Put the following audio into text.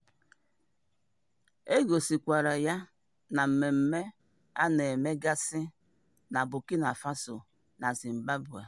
E gosikwara ya na mmemme a na-eme gasị na Burkina Faso na Zimbabwe.